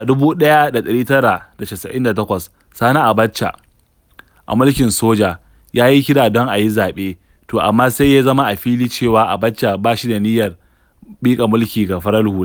A 1998, Sani Abacha, a mulkin soja, ya yi kira don a yi zaɓe, to amma sai ya zama a fili cewa Abacha ba shi da niyyar miƙa mulki ga farar hula.